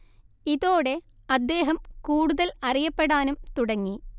ഇതോടെ അദ്ദേഹം കൂടുതൽ അറിയപ്പെടാനും തുടങ്ങി